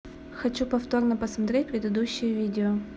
хочу повторно посмотреть предыдущее видео